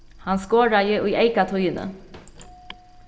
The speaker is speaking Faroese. hann skoraði í eykatíðini